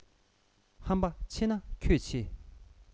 ཧམ པ ཆེ ན ཁྱོད ཆེ